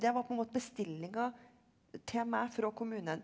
det var på en måte bestillinga til meg fra kommunen.